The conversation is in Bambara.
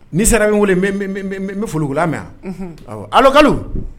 N'i sera bɛ wele n bɛ foli wula min yan alakalo